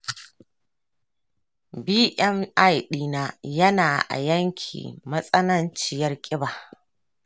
bmi ɗina yana a yanki matsananciyar ƙiba.